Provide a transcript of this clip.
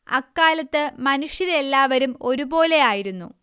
അക്കാലത്ത് മനുഷ്യരെല്ലാവരും ഒരുപോലെയായിരുന്നു